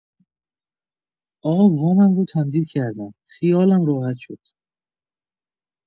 آقا وامم رو تمدید کردن، خیالم راحت شد.